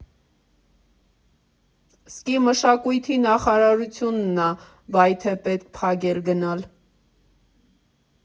Սկի Մշակույթի նախարարությունն ա վայթե պետք փագել գնալ։